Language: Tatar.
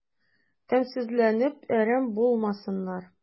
Тәмсезләнеп әрәм булмасыннар...